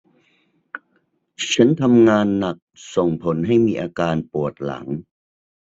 ฉันทำงานหนักส่งผลให้มีอาการปวดหลัง